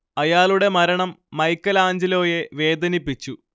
അയാളുടെ മരണം മൈക്കെലാഞ്ചലോയെ വേദനിപ്പിച്ചു